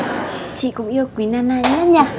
chị cũng yêu quý na na nhất nhở